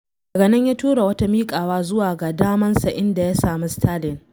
Daga nan ya tura wata miƙawa zuwa ga damansa, inda ya sami Sterling.